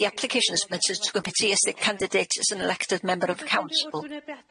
The application is as the candidate is an elected member of the council.